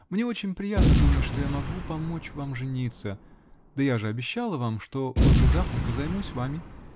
Мне очень приятно думать, что я могу помочь вам жениться, да я же обещала вам, что после завтрака займусь вами